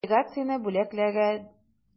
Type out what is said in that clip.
Делегацияне бүлгәләделәр.